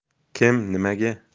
kim nimaga